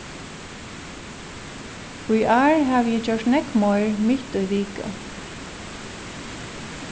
í ár havi eg gjørt nógv meir mitt í viku